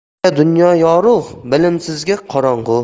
bilimliga dunyo yorug' bilimsizga qorong'u